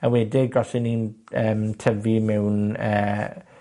A wedig os 'yn ni'n yym tyfu mewn yy